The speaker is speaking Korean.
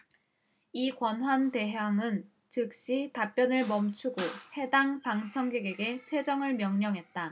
이 권한대항은 즉시 답변을 멈추고 해당 방청객에게 퇴정을 명령했다